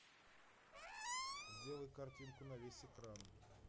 сделай картинку на весь экран